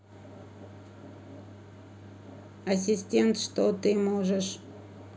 ассистент что ты можешь